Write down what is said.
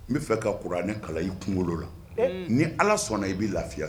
N b'a fɛ ka kura ni ne kala ii kunkolo la ni ala sɔnna i b bɛi lafiya